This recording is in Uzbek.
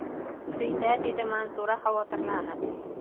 uyida dedi manzura xavotirlanib